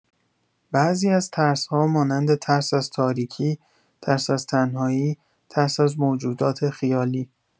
بعضی از ترس‌ها، مانند ترس از تاریکی، ترس از تنهایی، ترس از موجودات خیالی